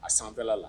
A sanfɛla la